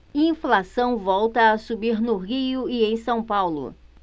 inflação volta a subir no rio e em são paulo